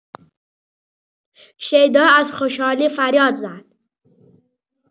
شیدا از خوشحالی فریاد زد.